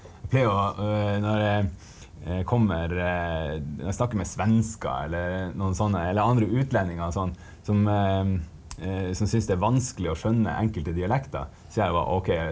pleier å når jeg kommer jeg snakker med svensker eller noen sånne eller andre utlendinger og sånn som som synes det er vanskelig å skjønne enkelte dialekter sier jeg bare ok.